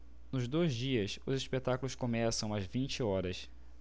nos dois dias os espetáculos começam às vinte horas